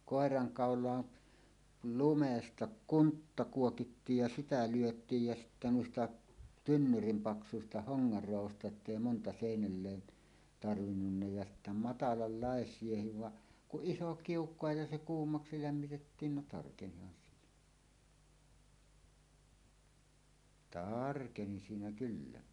koirankaulaan lumesta kuntta kuokittiin ja sitä lyötiin ja sitten nosta tynnyrin paksuisista hongan raadosta että ei monta seinälle tarvinnut ja sitten matalanlaisiakin vaan kun iso kiuas ja se kuumaksi lämmitettiin no tarkenihan siinä tarkeni siinä kyllä